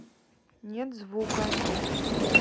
нету звука